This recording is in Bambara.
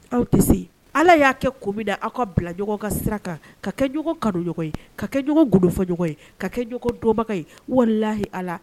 Aw tɛ se ala y'a kɛ kobida aw ka bilaɲɔgɔn ka sira kan ka kɛ ɲɔgɔn kaɲɔgɔn ye ka kɛ golofaɲɔgɔn ye ka kɛ donbaga ye walihi ala